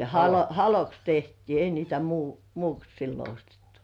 - haloksi tehtiin ei niitä - muuksi silloin ostettu